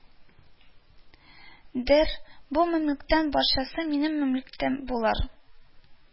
Дер, бу мәмләкәт барчасы минем мәмләкәтем булыр